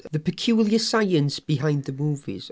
The peculiar science behind the movies.